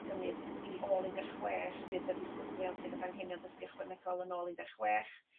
symud i ôl un deg chwech fydd 'na disgyblion sydd ac anghenion dysgu ychwanegol yn ôl un deg chwech